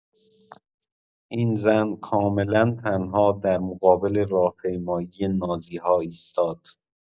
این زن کاملا تنها در مقابل راهپیمایی نازی‌ها ایستاد.